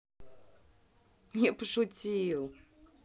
я пошутил